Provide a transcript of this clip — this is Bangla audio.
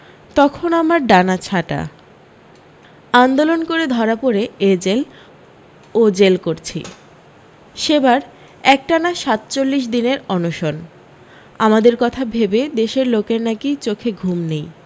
তখন আমার ডানা ছাঁটা আন্দোলন করে ধরা পড়ে এ জেল ও জেল করছি সেবার একটানা সাতচল্লিশ দিনের অনশন আমাদের কথা ভেবে দেশের লোকের নাকি চোখে ঘুম নেই